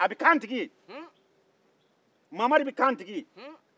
mamari bɛ kɛ an tigi ye